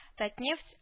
Татнефть